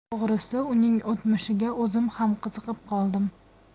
to'g'risi uning o'tmishiga o'zim ham qiziqib qoldim